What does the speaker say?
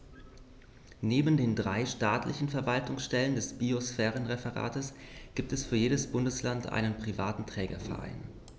Neben den drei staatlichen Verwaltungsstellen des Biosphärenreservates gibt es für jedes Bundesland einen privaten Trägerverein.